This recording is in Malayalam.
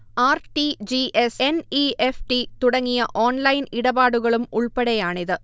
R. T. G. S., N. E. F T. തുടങ്ങിയ ഓൺലൈൻ ഇടപാടുകളും ഉൾപ്പടെയാണിത്